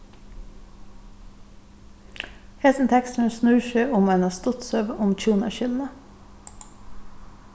hesin teksturin snýr seg um eina stuttsøgu um hjúnaskilnað